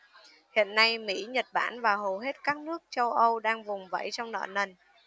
hiện nay mỹ nhật bản và hầu hết các nước châu âu đang vùng vẫy trong nợ nần